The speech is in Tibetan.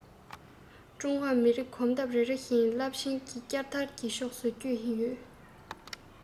ཀྲུང ཧྭ མི རིགས གོམ སྟབས རེ རེ བཞིན རླབས ཆེན བསྐྱར དར གྱི ཕྱོགས སུ སྐྱོད བཞིན ཡོད